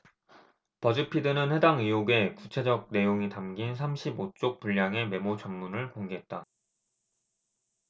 버즈피드는 해당 의혹의 구체적 내용이 담긴 삼십 오 쪽 분량의 메모 전문을 공개했다